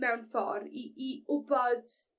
mewn ffor i i wbod